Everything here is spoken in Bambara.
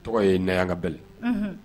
O tɔgɔ ye na ka bɛ